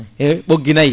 e ɓoggui nayyi